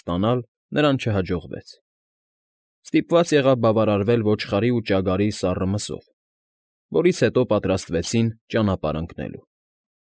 Ստանալ նրան չհաջողվեց։ Ստիպված եղավ բավարարվել ոչխարի ու ճագարի սառը մսով, որից հետո պատրաստվեցին ճանապարհ ընկնելու։